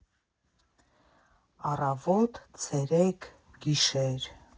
Առավո՜տ, ցերե՜կ, գիշե՜ր.